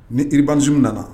Ni iribanz zun nana